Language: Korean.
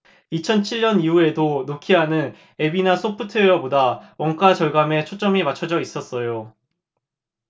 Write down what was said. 이천 칠 년 이후에도 노키아는 앱이나 소프트웨어보다 원가절감에 초점이 맞춰져 있었어요